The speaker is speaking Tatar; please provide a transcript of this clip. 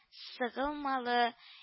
Сыгылмалы